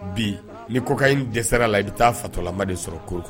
Bi ni cocaïne dɛsɛra la i bɛ taa fatɔlama de sɔrɔ cour